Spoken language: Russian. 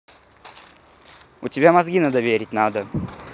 у тебя мозги надо верить надо